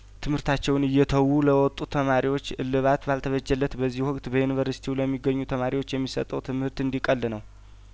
ትምርታቸውን እየተዉ ለወጡት ተማሪዎች እልባትባል ተበጀለት በዚህ ወቅት በዩኒቨርስቲው ለሚገኙ ተማሪዎች የሚሰጠው ትምህርት እንዲቀል ነው